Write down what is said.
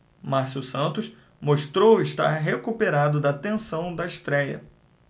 márcio santos mostrou estar recuperado da tensão da estréia